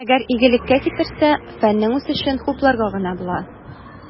Әгәр игелеккә китерсә, фәннең үсешен хупларга гына була.